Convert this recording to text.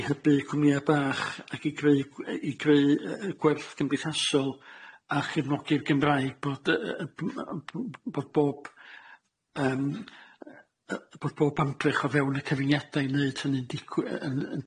i hybu cwmnia bach ac i greu i greu yy yy gwerth cymdeithasol a chyfnogi'r Gymraeg bod yy yy bod bob yym yy yy bod bob amdrech o fewn y cyfuniada i neud hynny'n digw- yn yn